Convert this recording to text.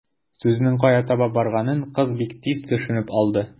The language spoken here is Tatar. Сүзнең кая таба барганын кыз бик тиз төшенеп алды.